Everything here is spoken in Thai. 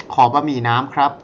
ขอบะหมี่น้ำครับ